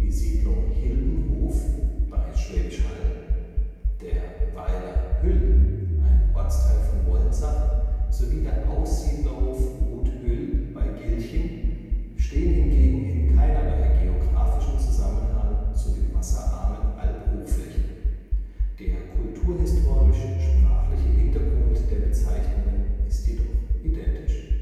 Siedlung Hilbenhof bei Schwäbisch Hall, der Weiler Hüll (ein Ortsteil von Wolnzach) sowie der Aussiedlerhof Gut Hüll (bei Gilching) stehen hingegen in keinerlei geografischem Zusammenhang zu den wasserarmen Albhochflächen – der kulturhistorisch-sprachliche Hintergrund der Bezeichnungen ist jedoch identisch